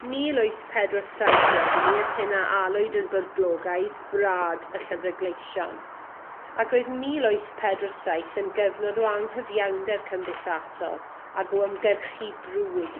Mil wyth pedwar saith wedyn, i'r hyn â alwyd yn boblogaidd, Brâd y Llyfre Gleision ac roedd mil wyth pedwar saith yn gyfnod o anghyfiawnder cymdeithasol ag o ymgyrchu brwd.